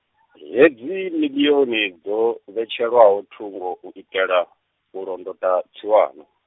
hedzi miḽioni dzo, vhetshelwa ho thungo u itela, u londota, tsiwana.